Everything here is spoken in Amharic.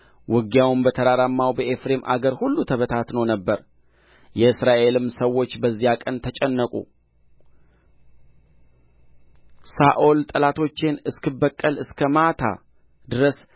ውጊያውም በተራራማው በኤፍሬም አገር ሁሉ ተበታትኖ ነበር የእስራኤልም ሰዎች በዚያ ቀን ተጨነቁ ሳኦል ጠላቶቼን እስክበቀል እስከ ማታ ድረስ